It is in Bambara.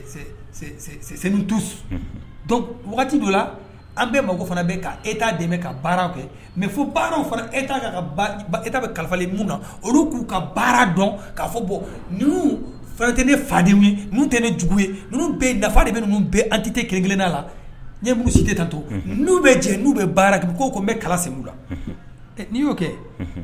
An bɛ mako fana baara kɛ mɛ fo e na olu k'u ka baara dɔn' fɔ bɔ tɛ ne faden ye tɛ nejugu ye bɛn dafa de bɛ an tɛ kelen kelenda la n mugu si tɛ taa to nu bɛ jɛu bɛ baara bɛ' n bɛ kala segu la n'i y'o kɛ